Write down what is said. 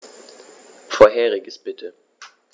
Vorheriges bitte.